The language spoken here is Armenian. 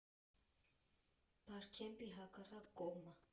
Բարքեմփի հակառակ կողմը։